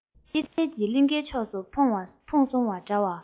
སྐྱེད ཚལ གྱི གླིང གའི ཕྱོགས སུ འཕངས སོང བ འདྲ